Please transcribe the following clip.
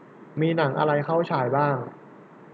มีหนังอะไรเข้าฉายบ้าง